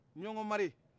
ɲɔngɔn mari